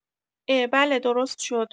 عه بله درست شد